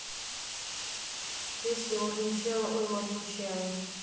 песни моргенчлена ой моргенчле